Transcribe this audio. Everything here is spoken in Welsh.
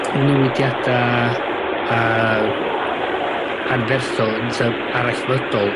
newidiada' a- yyy a- anferthol yn t'od arallfydol